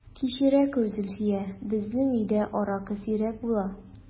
Кичерә күр, Зөлфия, безнең өйдә аракы сирәк була...